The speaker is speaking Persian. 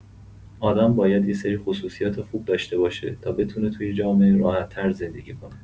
آدم باید یه سری خصوصیات خوب داشته باشه تا بتونه تو جامعه راحت‌تر زندگی کنه.